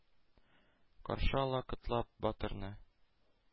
Каршы ала котлап батырны